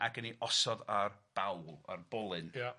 Ac yn ei osod ar bawl, ar bolyn. Ia.